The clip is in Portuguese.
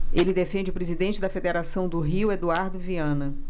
ele defende o presidente da federação do rio eduardo viana